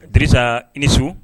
Di i ni su